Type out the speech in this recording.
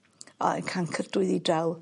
o oedd cancyr dwyddi draw.